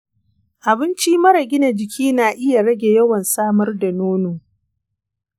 abinci mara gina jiki na iya rage yawan samar da nono.